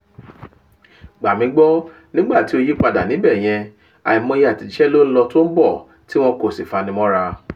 Gbà mi gbọ́, nígbà tí ó yípadà níbẹ̀ yen, àìmọye àtẹ̀jíṣẹ́ ló ń lọ tó ń bọ̀ tí wọ̀ kò sì fanimọ́ra.